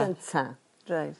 ...gynta. Reit.